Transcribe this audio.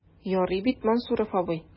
Ярый бит, Мансуров абый?